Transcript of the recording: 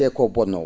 te ko o bonnoowo